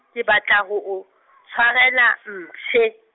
ke batla ho o, tshwarela mpshe.